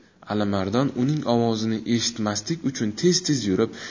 alimardon uning ovozini eshitmaslik uchun tez tez yurib